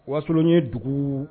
Wasolon ye dugu